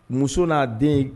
Muso n'a den